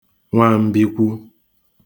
nwambikwu